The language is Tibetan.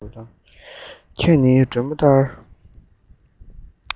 ཁྱེད ནི སྒྲོན མེ ལྟར